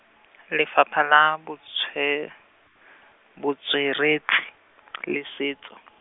Lefapha la Botshwe-, Botsweretshi, le Setso.